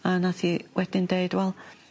a nath hi wedyn deud wel ...